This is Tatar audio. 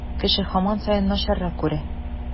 Кеше һаман саен начаррак күрә.